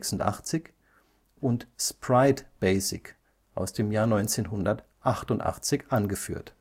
1986) und Sprite-Basic (1988) angeführt